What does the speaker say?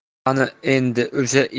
qani endi o'sha